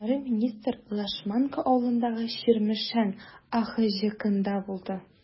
Аннары министр Лашманка авылындагы “Чирмешән” АХҖКында булды.